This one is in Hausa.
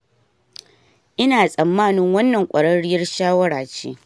"Ina tsammanin wannan kwararriyar shawara ce.